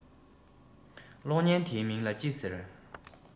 གློག བརྙན འདིའི མིང ལ ཅི ཟེར